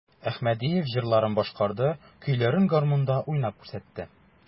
Әхмәдиев җырларын башкарды, көйләрен гармунда уйнап күрсәтте.